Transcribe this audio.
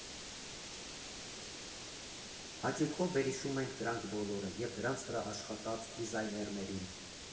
Հաճույքով վերհիշում ենք դրանք բոլորը և դրանց վրա աշխատած դիզայներներին։